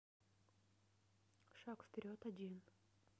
шаг вперед один